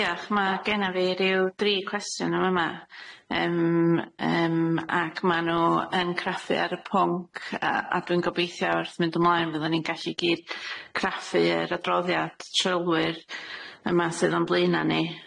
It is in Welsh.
Iach ma' genna fi ryw dri cwestiwn yn fama yym yym ac ma' nw yn craffu ar y pwnc a a dwi'n gobeithio wrth mynd ymlaen fydda ni'n gallu gyd craffu yr adroddiad trylwyr yma sydd yn blaena ni.